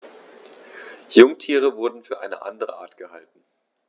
Jungtiere wurden für eine andere Art gehalten.